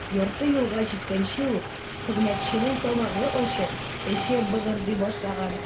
Ярты юлга җиткәнче үк хезмәтченең тамагы ачып, эче быгырдый башлаган.